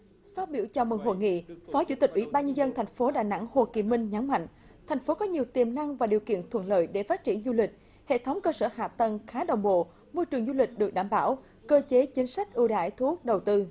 phát biểu chào mừng hội nghị phó chủ tịch ủy ban nhân dân thành phố đà nẵng hồ kỳ minh nhấn mạnh thành phố có nhiều tiềm năng và điều kiện thuận lợi để phát triển du lịch hệ thống cơ sở hạ tầng khá đồng bộ môi trường du lịch được đảm bảo cơ chế chính sách ưu đãi thuốc đầu tư